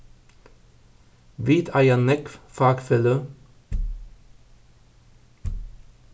vit eiga nógv fakfeløg